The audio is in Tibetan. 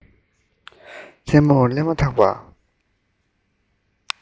རྩེ མོར སླེབས མ ཐག པ